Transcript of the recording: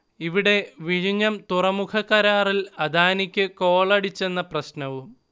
ഇവിടെ വിഴിഞ്ഞം തുറമുഖക്കരാറിൽ അദാനിക്ക് കോളടിച്ചെന്ന പ്രശ്നവും